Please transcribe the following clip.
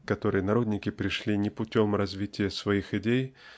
к которой народники пришли не путем развития своих идей